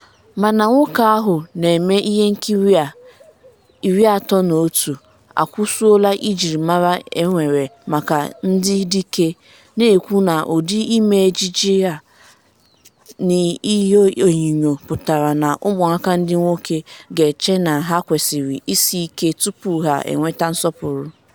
Mana nwoke ahụ na-eme ihe nkiri a, 31, akụsuola ejirimara enwere maka ndị dike, na-ekwu na ụdị ime ejije a n’ihuenyo pụtara na ụmụaka ndị nwoke ga-eche na ha kwesịrị isi ike tupu ha enweta nsọpụrụ.